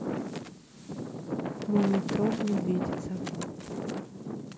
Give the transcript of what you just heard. мумий тролль медведица